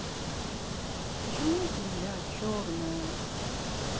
почему земля черная